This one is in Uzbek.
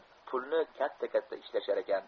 pulni katta katta ishlasharkan